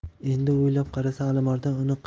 endi o'ylab qarasa alimardon